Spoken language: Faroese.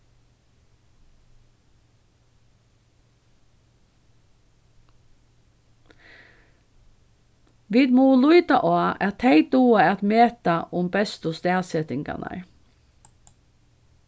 vit mugu líta á at tey duga at meta um bestu staðsetingarnar